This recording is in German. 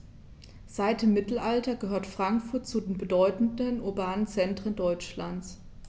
Seit dem Mittelalter gehört Frankfurt zu den bedeutenden urbanen Zentren Deutschlands.